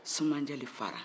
sumanjɛ le fara